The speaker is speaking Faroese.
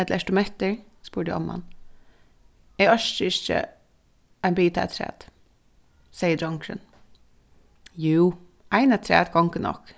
ella ert tú mettur spurdi omman eg orki ikki ein bita afturat segði drongurin jú ein afturat gongur nokk